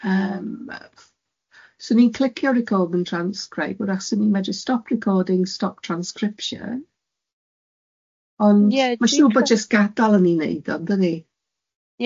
Yym yy sw ni'n clicio record and transcribe, wrach so ni'n medru stop recording stop transcription, ond ie dwi'n c- ma' siŵr bod jyst gadal yn ei wneud o yndydi?